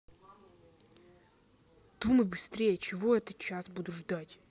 думай быстрее чего это час буду ждать